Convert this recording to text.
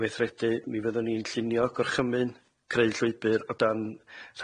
i weithredu mi fyddwn ni'n llunio Gorchymyn Creu Llwybr o dan